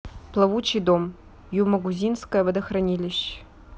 плавучий дом юмагузинское водохранилище